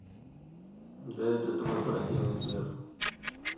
да это твой противный сбер